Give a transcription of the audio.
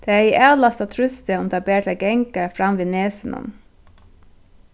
tað hevði avlastað trýstið um tað bar til at ganga fram við nesinum